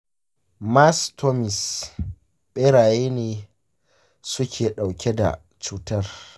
mastomys ɓeraye ne suke ɗauke da cutar